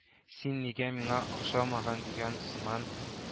Син нигә миңа охшамаган дигән сыман